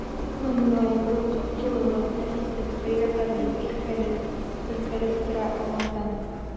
Күпме мөлаемлык, җылылык, нәфислек, хәйләкәрлек, иркәлек бөркелеп тора аңардан!